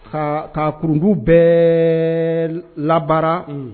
Ka kaurundi bɛɛ labaara